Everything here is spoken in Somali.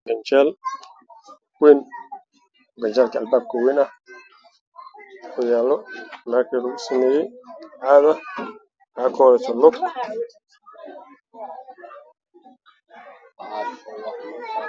Waa gan jeel albaabka weyn ah wuxuu yalaa Dhulka